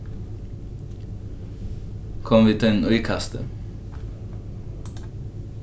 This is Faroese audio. kom við tínum íkasti